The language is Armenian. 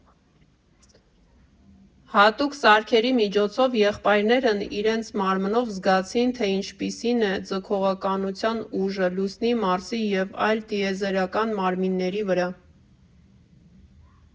Հատուկ սարքերի միջոցով եղբայրներն իրենց մարմնով զգացին, թե ինչպիսին է ձգողականության ուժը Լուսնի, Մարսի և այլ տիեզերական մարմինների վրա։